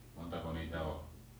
montako niitä oli